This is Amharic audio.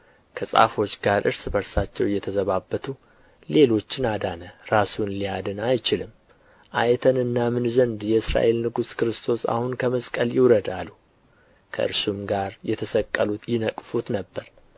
ከጻፎች ጋር እርስ በርሳቸው እየተዘባበቱ ሌሎችን አዳነ ራሱን ሊያድን አይችልም አይተን እናምን ዘንድ የእስራኤል ንጉሥ ክርስቶስ አሁን ከመስቀል ይውረድ አሉ ከእርሱም ጋር የተሰቀሉት ይነቅፉት ነበር